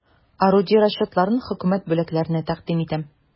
Орудие расчетларын хөкүмәт бүләкләренә тәкъдим итәм.